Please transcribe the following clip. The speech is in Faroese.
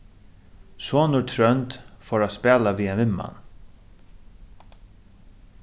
sonur trónd fór at spæla við ein vinmann